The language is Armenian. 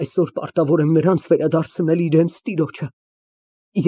Այսօր ես պարտավոր եմ նրանց վերադարձնել իրենց տիրոջը։